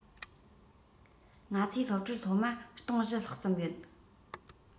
ང ཚོའི སློབ གྲྭར སློབ མ ༤༠༠༠ ལྷག ཙམ ཡོད